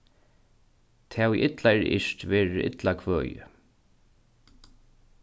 tað ið illa er yrkt verður illa kvøðið